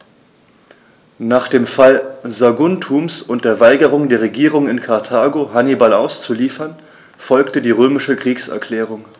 Nach dem Fall Saguntums und der Weigerung der Regierung in Karthago, Hannibal auszuliefern, folgte die römische Kriegserklärung.